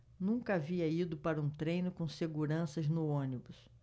nunca havia ido para um treino com seguranças no ônibus